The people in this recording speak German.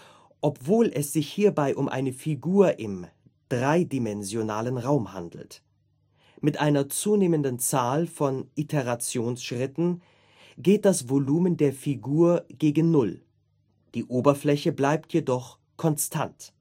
obwohl es sich hierbei um eine Figur im dreidimensionalen Raum handelt. Mit einer zunehmenden Zahl von Iterationsschritten geht das Volumen der Figur gegen 0; die Oberfläche bleibt jedoch konstant